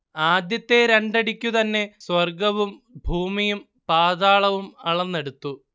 ആദ്യത്തെ രണ്ടടിക്കു തന്നെ സ്വർഗ്ഗവും ഭൂമിയും പാതാളവും അളന്നെടുത്തു